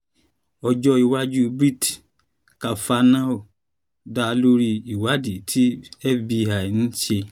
Ọjọ́-iwájú Brett Kavanaugh's dálórí ìwádií tí FBI ń se